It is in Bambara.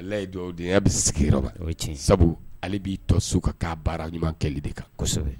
Ala ye dodenyaya bɛ sigiyɔrɔ sabu ale b'i to so ka ka baara ɲɔgɔn kɛ de kan kosɛbɛ